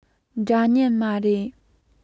འདྲ མཉམ མ རེད